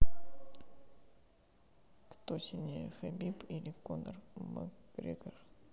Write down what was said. кто сильнее хабиб или конор макгрегор